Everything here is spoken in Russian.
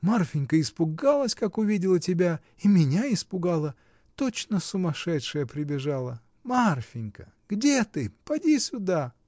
Марфинька испугалась, как увидела тебя, и меня испугала — точно сумасшедшая прибежала. Марфинька! где ты? Поди сюда.